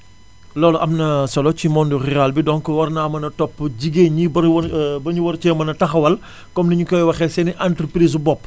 loolu am na solo ci monde rural bi donc war naa mën a topp jigéen ñi ba ñu war ba ñu war cee mën a taxawal comme ni ñu koy waxee seen i entreprises bopp